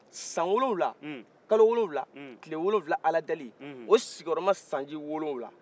san wolowula kalo wolowula tile wolowula ala deli o sigiɲɔrɔma sanji wolowula